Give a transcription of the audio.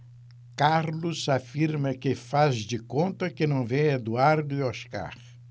carlos afirma que faz de conta que não vê eduardo e oscar